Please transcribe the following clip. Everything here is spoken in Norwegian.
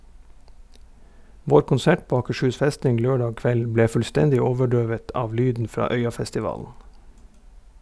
Vår konsert på Akershus festning lørdag kveld ble fullstendig overdøvet av lyden fra Øyafestivalen.